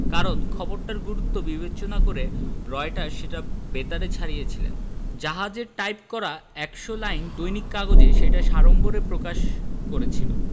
কারণ খবরটার গুরুত্ব বিবেচনা করে রয়টার সেটা বেতারে ছড়িয়েছিলেন জাহাজের টাইপ করা এক শ লাইন দৈনিক কাগজে সেটা সাড়ম্বরে প্রকাশ করেছিল